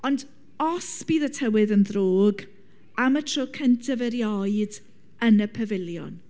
Ond os bydd y tywydd yn ddrwg, am y tro cyntaf erioed yn y pafiliwn.